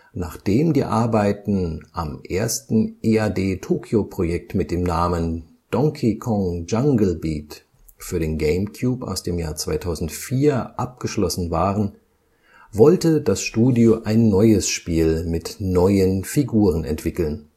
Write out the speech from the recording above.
Nachdem die Arbeiten am ersten EAD-Tokyo-Projekt Donkey Kong Jungle Beat (GameCube, 2004) abgeschlossen waren, wollte das Studio ein neues Spiel mit neuen Figuren entwickeln